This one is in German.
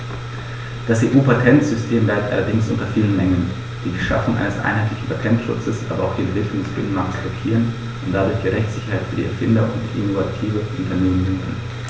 Das EU-Patentsystem leidet allerdings unter vielen Mängeln, die die Schaffung eines einheitlichen Patentschutzes, aber auch die Entwicklung des Binnenmarktes blockieren und dadurch die Rechtssicherheit für Erfinder und innovative Unternehmen mindern.